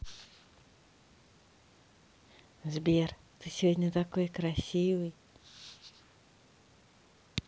сбер ты сегодня такой красивый